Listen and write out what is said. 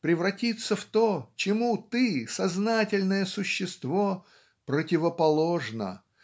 превратиться в то, чему ты, сознательное существо, противоположно,